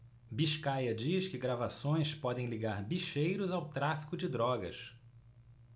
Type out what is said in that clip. biscaia diz que gravações podem ligar bicheiros ao tráfico de drogas